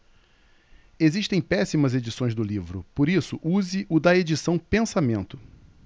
existem péssimas edições do livro por isso use o da edição pensamento